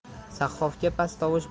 sahhofga past tovush